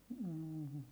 mm